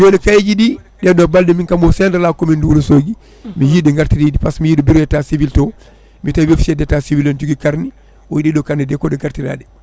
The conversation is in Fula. joni cahier jiɗi ɗeɗo balɗe min kam au sein de la commune de Wourossogui mi yii ɓe gartiri ɗi par ce que mi yiɗi bureau état civil to mi tawi officier d' état civil o ne jogui carnet o wi ɗeɗo carnet nde koɗe gartiraɗe